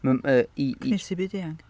Ma'n, yy, i- i-...Cynhesu byd eang.